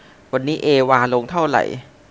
วันนี้เอวาลงเท่าไหร่